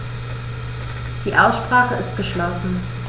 Die Aussprache ist geschlossen.